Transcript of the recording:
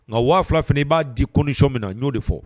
Ŋa o 2000 fɛnɛ i b'a di condition minna ŋ'o de fɔ